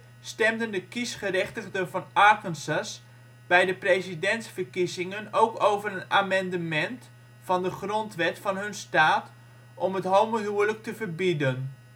stemden de kiesgerechtigden van Arkansas bij de presidentsverkiezingen ook over een amendement van de grondwet van hun staat, om het homohuwelijk te verbieden